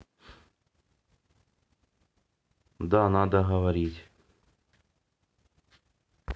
да надо говорить